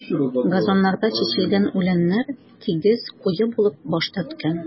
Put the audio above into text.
Газоннарда чәчелгән үләннәр тигез, куе булып баш төрткән.